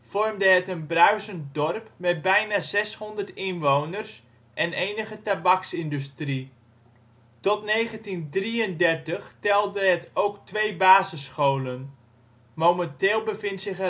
vormde het een ' bruisend ' dorp met bijna 600 inwoners en enige tabaksindustrie. Tot 1933 telde het ook twee basisscholen. Momenteel bevindt zich